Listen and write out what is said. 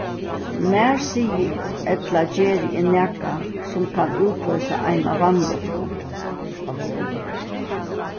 nær sigi ella geri eg nakað sum kann útloysa eina vanlukku